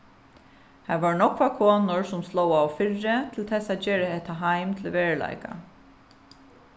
har vóru nógvar konur sum slóðaðu fyri til tess at gera hetta heim til veruleika